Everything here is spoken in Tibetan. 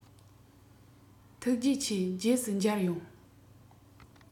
ཐུགས རྗེ ཆེ རྗེས སུ མཇལ ཡོང